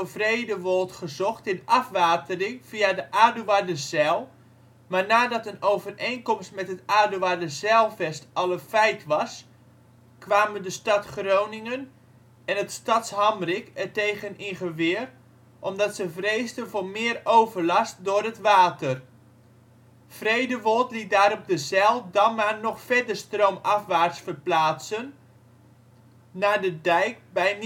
Vredewold gezocht in afwatering via de Aduarderzijl, maar nadat een overeenkomst met het Aduarderzijlvest al een feit was kwamen de stad Groningen en het stadshamrik ertegen in geweer omdat ze vreesden voor meer overlast door het water. Vredewold liet daarop de zijl dan maar nog verder stroomafwaarts verplaatsten naar de dijk bij